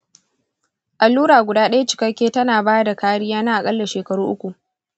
allura guda ɗaya cikakke tana ba da kariya na aƙalla shekaru uku.